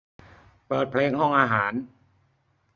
เปิดเพลงห้องอาหาร